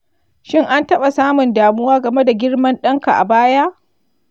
shin an taɓa samun damuwa game da girman ɗanka a baya?